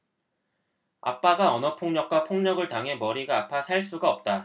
아빠가 언어폭력과 폭력을 당해 머리가 아파 살 수가 없다